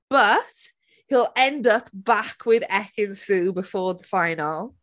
But, he'll end up back with Ekin-Su before the final.